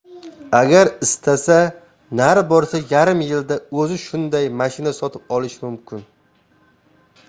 agar istasa nari borsa yarim yilda o'zi shunday mashina sotib olishi mumkin